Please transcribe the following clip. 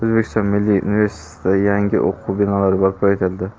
o'zbekiston milliy universitetida yangi o'quv binolari barpo etildi